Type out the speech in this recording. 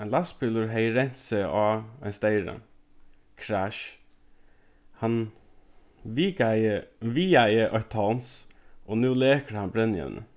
ein lastbilur hevði rent seg á ein steyra krassj hann vikaði vigaði eitt tons og nú lekur hann brennievni